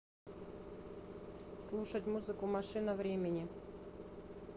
слушать музыку машина времени